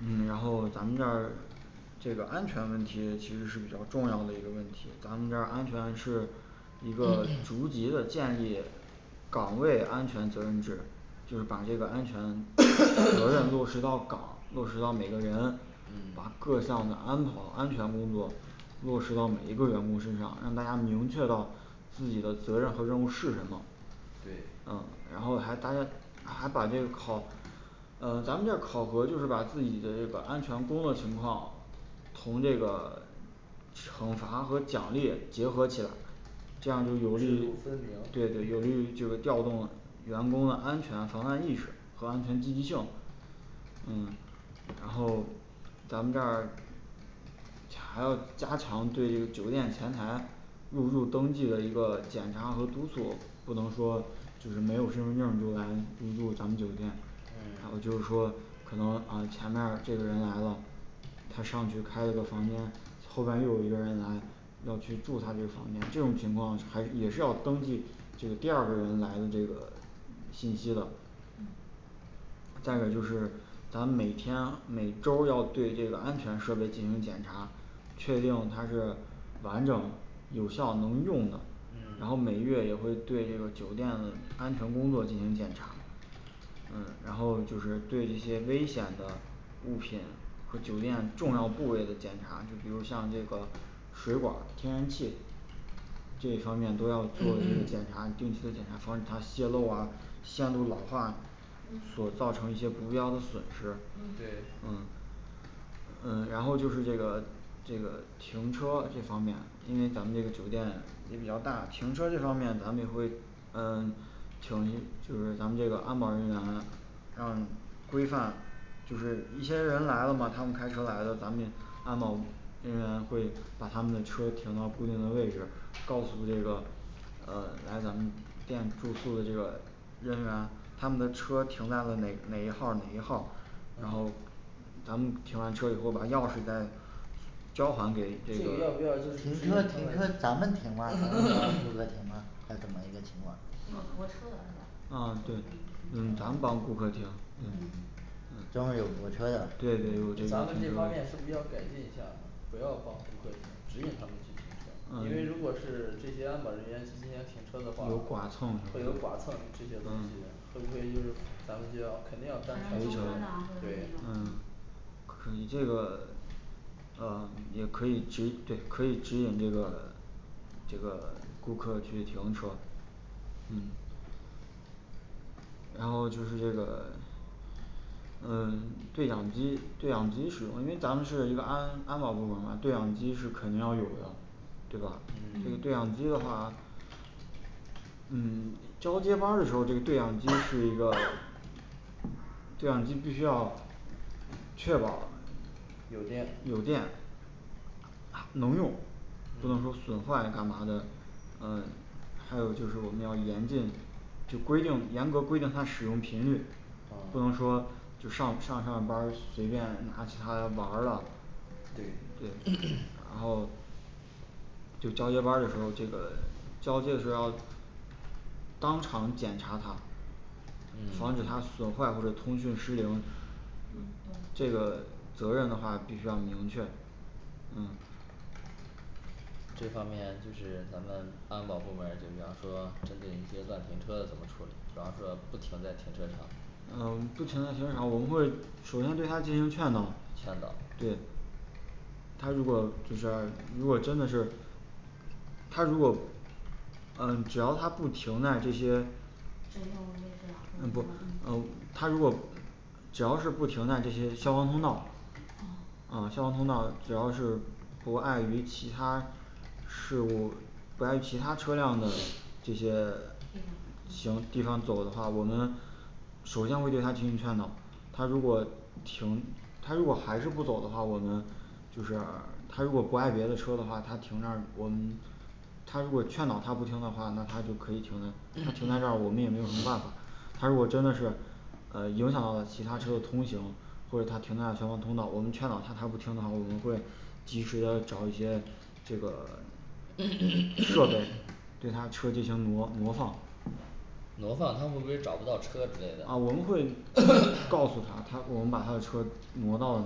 嗯然后咱们这儿这个安全问题其实是比较重要的一个问题，咱们这儿安全是一个逐级的建立岗位安全责任制，就是把这个安全责任落实到岗 ，落实到每个人，把各嗯项安保安全工作落实到每一个员工身上，让大家明确到自己的责任和任务是什么，嗯对然后还大家还把那个考嗯咱们这考核就是把自己的这个安全工作情况，从这个惩罚和奖励结合起来，这制样就有利于度分明对，有利于就是调动员工的安全防范意识和安全积极性嗯然后咱们这儿还要加强对这个酒店前台入住登记的一个检查和督促，不能说就是没有身份证儿就来入住咱们酒店。然后就是嗯说可能啊前面儿这个人来了，他上去开了个房间后边儿又有一个人来要去住他这个房间，这种情况还是也是要登记这个第二个人来的这个信息了嗯再一个就是，咱们每天每周要对这个安全设备进行检查，确定他是完整有效能用的，然后每嗯月也会对这个酒店的安全工作进行检查嗯然后就是对一些危险的物品和酒店重要部位的检查，比如像这个水管儿、天然气这些方面都要做一个检查，定期的检查防止他泄漏啊，线路软化所嗯造成的一些不必要的损失对嗯嗯嗯然后就是这个这个停车这方面，因为咱们酒店也比较大，停车这方面咱们也会嗯请就是这个咱们安保人员来，让规范就是一些人来了嘛，他们开车来了，咱们安保人员会把他们的车停到固定的位置，告诉这个呃来咱们店住宿的这个人员，他们的车停在了哪一哪一号儿哪一号儿？然后嗯咱们停完车以后把钥匙再交还给这这个要个不要就是停停车停车咱们停吗咱们来负责停吗，还是怎么一个情况他有，泊车的嗯嗯是吧对嗯咱们帮顾客停嗯嗯专门儿有泊车的对对咱们这方面是不是要改进一下不要帮顾客停指引他们去停车，因为如果嗯是这些安保人员去进行停车的话，会有剐蹭有剐蹭这些东西会不会就咱们就要产生纠纷呐，或肯定要他们者什么的对，嗯嗯你这个啊也可以指引对可以指引这个这个顾客去停车。嗯然后就是这个 嗯 对讲机对讲机使用，因为咱们是一个安安保部门儿嘛，对讲机是肯定要有的，对吧？对嗯嗯讲机的话嗯交接班儿的时候对对讲机已经是一个 ，对讲机必须要确保有有电电能用，不能说损坏干嘛的，呃还有就是我们要严禁就规定严格规定他使用频率，不能啊说就上上上班儿随便拿其他的玩儿了。对对。然后对交接班儿的时候这个 交接的时候要，当场检查他，防止它嗯损坏或者通讯失灵这嗯对个责任的话必须要明确嗯这方面就是咱们安保部门儿，就比方说针对一些乱停车的怎么处理，比方说不停在停车场，嗯不停在停车场，我们会首先对他进行劝导劝导对他如果就是如果真的是他如果嗯只要他不停在这些指定位置，嗯不啊或嗯者他如果只要是不停的这些消防通道嗯嗯消防通道只要是不碍于其他事物不碍其他车辆的这些行地地方嗯方走的话，我们首先会对他进行劝导，他如果停他如果还是不走的话，我们就是 他如果不碍别的车的话，他停那儿我们他如果劝导他不听的话，那他就可以停了，停在这儿我们也没有什么办法。 他如果真的是呃影响到其他车的通行，或者它停在了消防通道，我们劝导他他不听的话，我们会及时的找一些这个 对他车进行了挪挪放。啊挪放他我会不会找不到车之类的们会告诉 他他给我们把他的车挪到了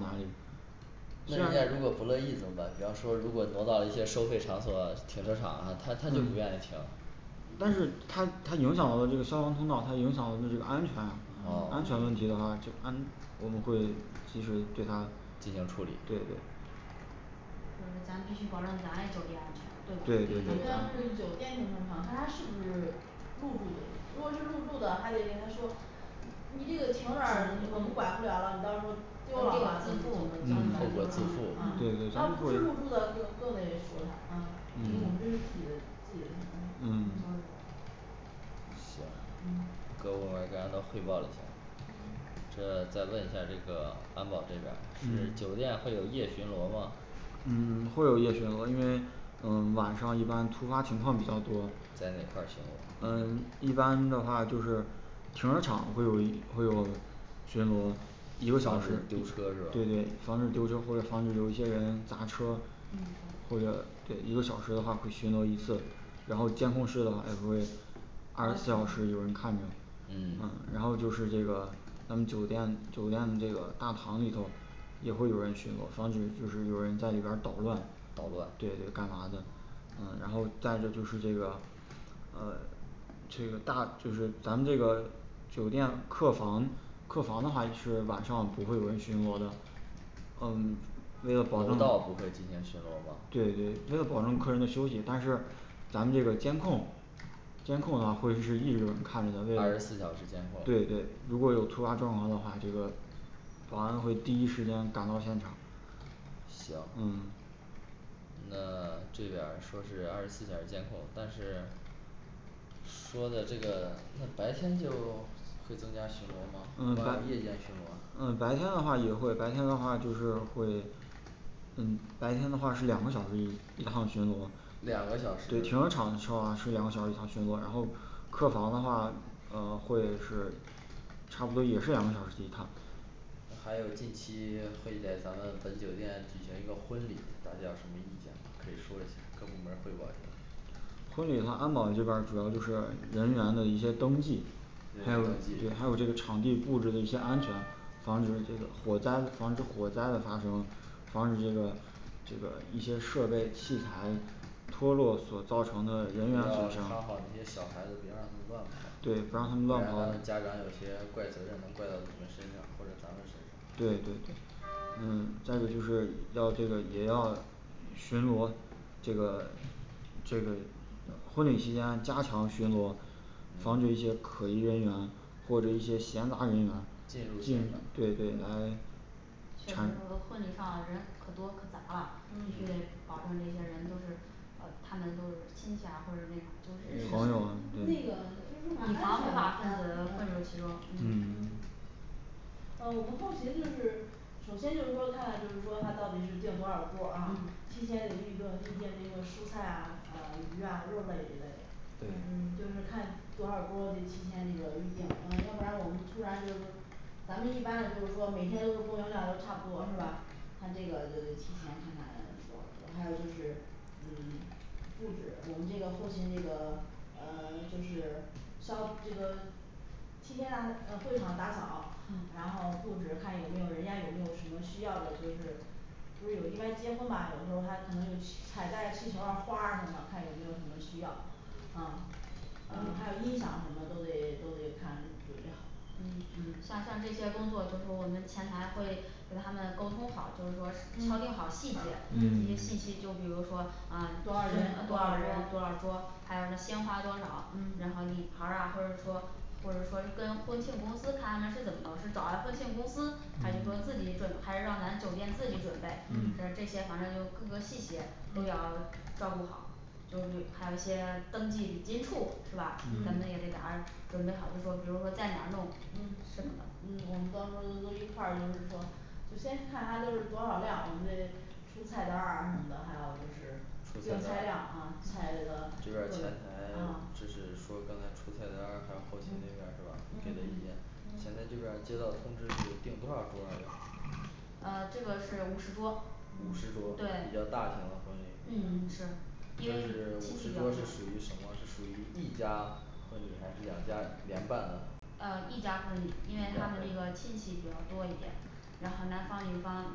哪里那要人家如果不乐意怎么办？比方说如果挪到了一些收费场所，停车场那他他就不愿意停但是他他影响到这个消防通道，他影响了我们这个安全嗯安全问题对的话，就安我们会及时对他对进行处理就是咱必须保证咱的酒店安全，因对为对吧他是对酒店停车场，看他是不是入住酒店，如果是入住的还得给他说，你你这个停这嗯嗯儿我们管不了了，你到时候儿丢丢了了话自怎么怎么怎么办负嗯嗯嗯对你嗯嗯要不是对入住的嗯，更得说他，啊因为我们这是自己的自己的停车嗯场行嗯，各部门儿刚才都汇报了一下嗯。这再问一下儿这个安保这边儿是酒店嗯会有夜巡逻吗？嗯 会有一个夜巡逻因为呃晚上一般突发情况比较多在哪块儿，嗯巡？一般的话就是停车场会有一会有，巡逻。一个小时丢车是对对防吧止丢车或者防止有一些人砸车或嗯对者。对一个小时的话会巡逻一次。然后监控室的话还会二二十十四四小时有人看着嗯然嗯后就是这个咱们酒店酒店这个大堂里头也会有人巡逻，防止就是有人在里边儿捣乱捣乱对对干嘛的。然后再一个就是这个呃这个大就是咱们这个酒店客房客房的话是晚上不会有人巡逻的嗯那个保保楼楼道道不会进行逻对，吗对因为保证客人的休息，但是咱们这个监控监控的话会是一直看着的为二了十四小时监控，对对如果有突发状况的话这个保安部第一时间赶到现场行嗯那这点儿说是二十四小时监控，但是说的这个白天就会增加嗯晚巡逻吗，晚夜间巡逻，嗯白天的话也会白天的话就是会嗯白天的话是两个小时一一趟巡逻两个小对时停车场的情况是两个小时一趟巡逻，然后客房的话呃会是差不多也是两个小时一趟还有近期会在咱们本酒店举行一个婚礼，大家有什么意见可以说一下儿，各部门儿汇报一下婚礼上安保这边儿主要就是人员的一些登记，人还有员登记对还有这个场地布置的一些安全，防止这个火灾防止火灾的发生，防止这个这个一些设备器材脱落所造要看好成的人员那些小孩子，别让他对，不让他们们乱乱跑，不要跑，让家长有些怪责任能怪到你们身上或者咱们对身上。。嗯再一个就是要这个也要巡逻，这个这个婚礼期间加强巡逻，防止一嗯些可疑人员或者一些闲杂人员进入现场对对来确实说婚礼上人可多可杂了，必须得保证这些人都是呃他们都是亲戚啊或者那嗯那个就是说就是认识的人，反以安防不全法吧分子混入嗯其中嗯嗯嗯嗯呃我们后勤就是首先就是说看看就是说她到底是进多少桌儿啊，嗯提前得预顿预定这个，蔬菜啊呃鱼肉类一类的，对嗯就是看多少桌得提前这个预定，嗯要不然我们突然就是说咱们一般是就是说每天都是供应量都差不多是吧？他这个提前看看多少桌，还有就是嗯布置我们这个后勤这个呃 就是消这个提前把呃会场打扫，然嗯后布置看有没有人家有没有什么需要的就是。不是有一般结婚吧有时候儿还可能有去 彩带，气球儿啊花儿啊什么的看有没有什么需要，嗯嗯还有音响什么都得都得看准备好，嗯嗯像像这些工作就是说我们前台会给他们沟通好，就是说敲定好细节，一些嗯信息，就比如说啊多多少少人人多多少少桌桌，还有鲜花多少，然后嗯礼牌儿啊或者说或者说是跟婚庆公司看他们是怎么的，是找来婚庆公司，还就是说自嗯己准，还是让咱酒店自己准备？ 是这嗯些，反正就是各个细节都要照顾好就比如还有一些登记礼金处是吧？咱们也得给嗯他准备好，就说比如说在哪儿弄什么的嗯我们到时嗯候都一块儿就是说就先看他都是多少量，我们这出菜单儿啊什么的，还有就是定菜量啊菜的就是各种前台嗯，就是说刚才出菜单儿的还有后勤那边儿是嗯吧？给的意嗯见前台这嗯边儿接到通知是定多少桌儿要？呃这个是五十桌五十桌，对儿比较大型的婚礼嗯是这因为是亲五戚十桌是属于什么？是属于比一较多家婚礼还是两家联办的呃一家婚姻，一因为家他婚们那礼个亲戚比较多一点儿，然后男方女方，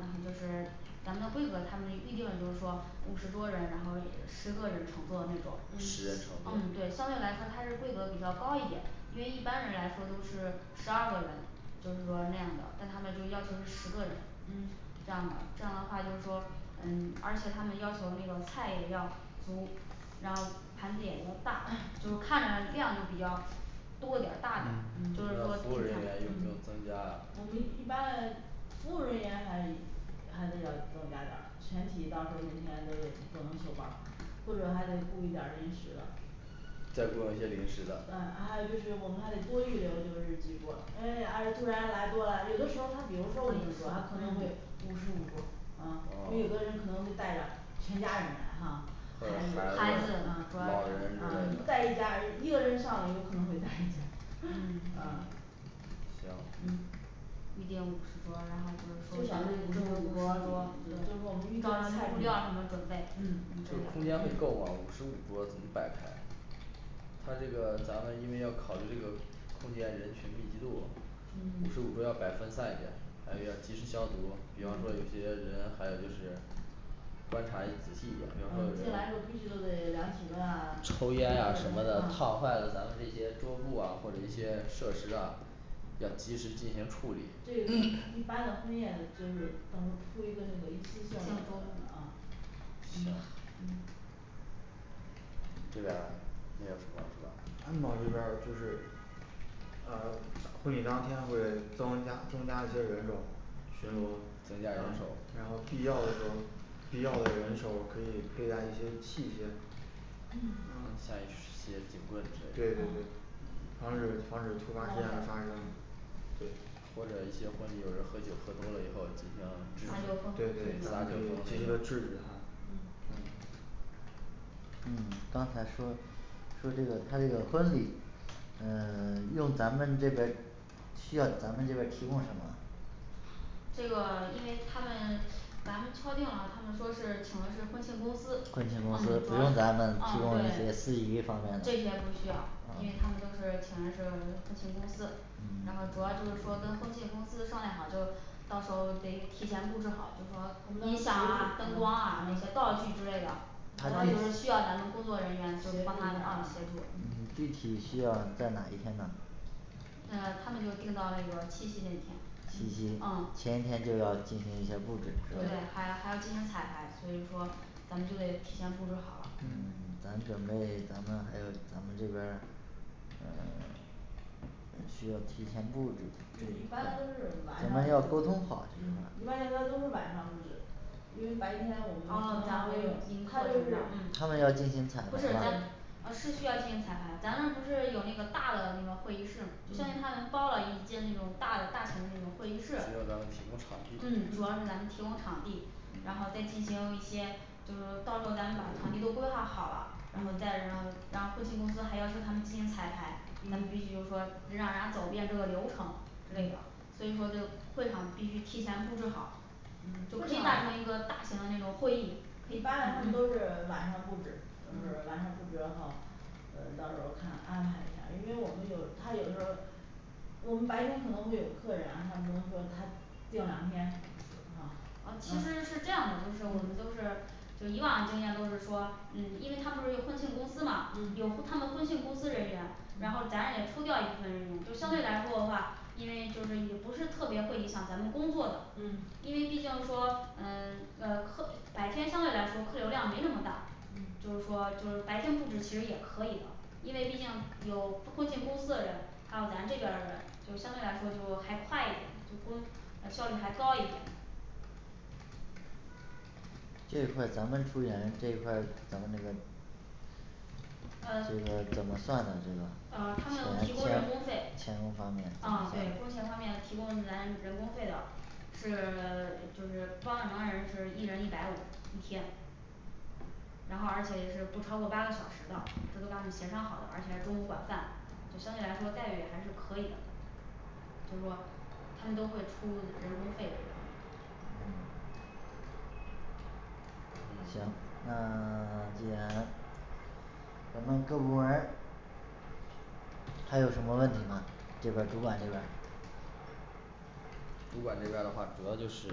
然后就是咱们的规格他们预定就是说五十桌人，然后十个人乘坐那种十个嗯人嗯乘坐对相对来说它是规格比较高一点，因为一般人来说都是十二个人就是说那样的，但他们就要求是十个人，这嗯样的这样的话就是说嗯而且他们要求那个菜也要足，然后盘子也要大，就看着量就比较多点儿大点儿嗯，这就是个说服嗯务布人置上员用不用增嗯加我们一啊般服务人员还还得要增加点儿全体，到时候儿那天都得不能休班儿，或者还得雇一点儿临时的再雇佣一些临嗯时的啊还有就是我们还得多预留，就是几桌哎啊突然来多了，有的时候她比如说五十桌还可能会嗯五十五桌嗯，因为有的人可能会带着全家人来哈，或者孩孩孩子子子啊主要啊老人一之是孩子带类一家的一个人上来有可能会带一家 嗯嗯嗯行预订五十桌，然后就是最少说是得五五十桌对十照这预五桌椅子。就是说我们估量什么准备这个空间会够嗯吗？五十五桌怎么摆开他这个 咱们因为要考虑这个空间人群密集度五十五嗯桌要摆分散一点，还要及时消毒，比方说有嗯些人还有就是观察的仔细一点儿，比方说嗯有什进来的时候必须都得量体温么啊抽烟啊什么的，烫坏了咱们这些桌布啊或者一些设施啊要及时进行处理，对这一般的婚宴就是到时候铺一个一那个一次次性性桌布啊嗯嗯行这边儿还有什么安保说这边儿就是啊婚礼当天会增加增加一些人手，巡增逻，加人啊手然后必要的时候必要的人手可以佩戴一些器械像一些警棍之对对类的对啊防止防止突发事件的发生对或者一些婚礼有人喝酒喝多了以后进耍行对制酒止耍酒疯对及时什的制止疯么的嗯他嗯嗯刚才说说这个他这个婚礼嗯 用咱们这个需要咱们就是提供什么？这个 因为他们咱敲定了，他们说是请的是婚庆公司，嗯婚主庆公司不要嗯用咱们提供一对些司仪方面这的些不需要，嗯因为他们都是请问是婚庆公司，然后主要就是说跟婚庆公司商量好，就到时候得提前布置好，就说你想吧灯光啊那些道具之类的主要就是需要咱们工作人员协助去一下帮他放这啊些布嗯具体需要在哪一天呐嗯他们就定到那个七夕那天七夕嗯啊，前对一天就要进行一些布置是吧还还要进行彩排，所以说咱们就得提前布置好了嗯咱准备咱们还有咱们这边儿嗯 需要提前布置，就是一般都是晚上。嗯一咱般大们要沟通好家都是晚上布置因为白天我们可嗯能咱还用还他用就他是们要进行彩不是排咱吗啊是需要进行彩排，咱们不是那个有大的那个会议室，虽然他们嗯包了一间那种大的大型的那种会议主室，要嗯主要是是咱咱们们提供场地提供场地然后再嗯进行一些，就是到时候咱们把场地都规划好了，然后再然后然后后期公司还要求他们进行彩排，咱们必须嗯就是说让人家走遍这个流程之类的，所以说这会场必须提前布置好嗯，就可会以搭场成一个大型的那种会议可以，一嗯嗯般的他们都是晚上布置都是晚上布置完后呃到时候儿看安排一下，因为我们有他有时候我们白天可能会有客人啊，他不能说他定两天啊哦嗯，嗯其实是这样的，就是我们都是就以往经验都是说，嗯因为他们不是有婚庆公司嘛，有嗯他们的婚庆公司人员，然后嗯咱也抽调一部分人员，就相对来说的嗯话，因为就是也不是特别会影响咱们工作的嗯，因为毕竟说嗯呃客白天相对来说客流量没那么大，就是嗯说就是白天布置其实也可以的，因为毕竟有婚庆公司的人，还有咱这边儿的人就相对来说就还快一点就工呃效率还高一点这一块儿咱们服务员这一块儿咱们这个这呃个怎么算的这呃个？他们提钱供人工费钱钱方面，啊对工钱方面提供咱人工费的，是 就是帮着忙人是一人一百五一天，然后而且也是不超过八个小时的，这都给他们协商好的，而且还中午管饭，就相对来说待遇还是可以的。就说他们都会出人工费这嗯行，那 既然咱们各部门儿还有什么问题吗？这边儿主管这边儿。主管这边儿的话主要就是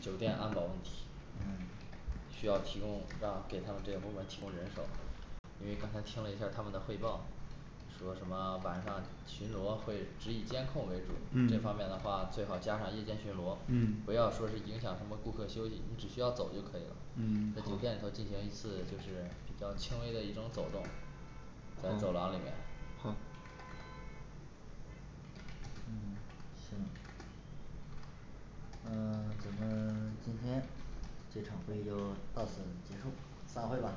酒店安保问题嗯，需要提供是吧？给他们这个部门儿提供人手儿。因为刚才听了一下儿他们的汇报说什么晚上巡逻会只以监控为主，这方面的嗯话最好加上夜间巡逻，不要嗯说是影响什么顾客休息，只需要走就可以了，在酒嗯店里头进行一次就是比较轻微的一种走动。在走廊里面。好嗯行呃咱们 今天这场会议就到此结束，散会吧。